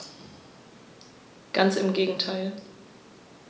Ganz im Gegenteil.